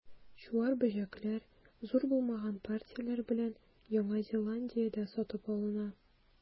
Чуар бөҗәкләр, зур булмаган партияләр белән, Яңа Зеландиядә сатып алына.